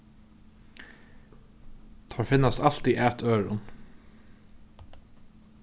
teir finnast altíð at øðrum